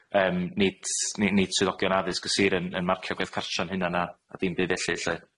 yym nid s- ni- nid swyddogion addysg y sir yn yn marcio gwaith cartra 'yn hunan na dim byd felly lly.